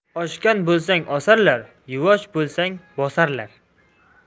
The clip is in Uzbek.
oshgan bo'lsang osarlar yuvvosh bo'lsang bosarlar